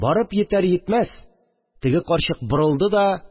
Барып җитәр-җитмәс, теге карчык борылды да